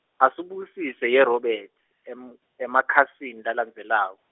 Asubukisise yeRobert, em- emakhasini lalandzelako.